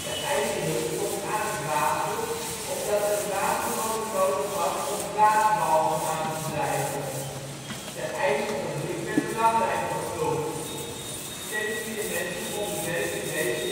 De ijzerhut stond aan het water omdat er een watermolen nodig was om blaasbalgen aan te drijven. De ijzerfabriek werd belangrijk voor Ulft. Steeds meer mensen vonden werk in deze